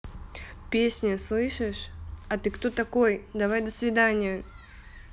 песня слышишь а ты кто такой давай до свидания